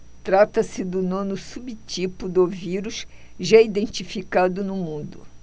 trata-se do nono subtipo do vírus já identificado no mundo